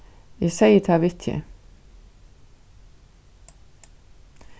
eg segði tað við teg